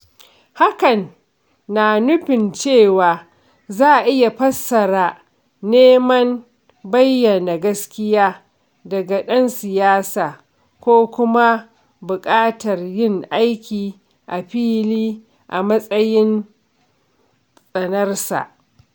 Hakan na nufin cewa za a iya fassara neman bayyana gaskiya daga ɗan siyasa ko kuma buƙatar yin aiki a fili a matsayin tsanarsa.